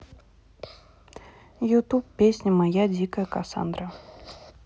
ютуб песня моя дикая кассандра